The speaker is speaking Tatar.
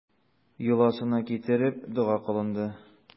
Йоласына китереп, дога кылынды.